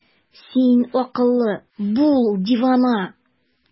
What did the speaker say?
Син акыллы, бул дивана!